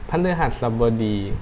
พฤหัสบดี